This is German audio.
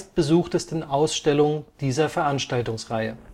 besuchtesten Ausstellung dieser Veranstaltungsreihe